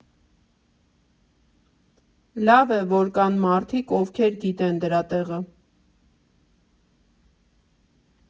Լավ է, որ կան մարդիկ, ովքեր գիտեն դրա տեղը։